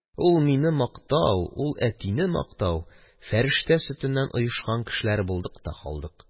Ул мине мактау, ул әтине мактау, фәрештә сөтеннән оешкан кешеләр булдык та калдык.